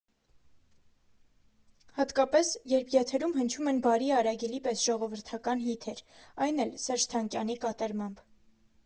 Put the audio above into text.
Հատկապես, երբ եթերում հնչում են «Բարի արագիլի» պես ժողովրդական հիթեր, այն էլ՝ Սերժ Թանկյանի կատարմամբ։